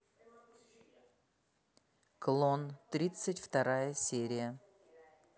клон тридцать вторая серия